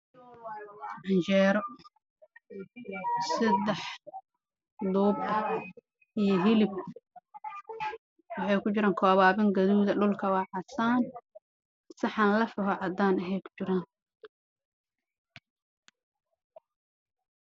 Waa canjeero iyo hilib sawir xayeysiis